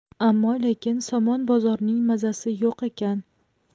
ammo lekin somon bozorining mazasi yo'q ekan